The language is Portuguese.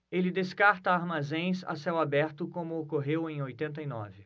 ele descarta armazéns a céu aberto como ocorreu em oitenta e nove